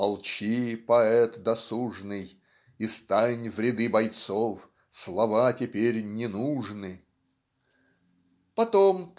"Молчи, поэт досужный, и стань в ряды бойцов слова теперь не нужны". Потом